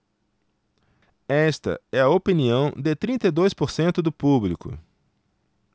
esta é a opinião de trinta e dois por cento do público